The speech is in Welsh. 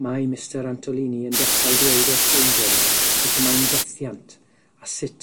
Mae Mistyr Antolini yn dechrau dweud wrth Holden sut y mae'n fethiant, a sut